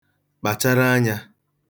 kpàchara anyā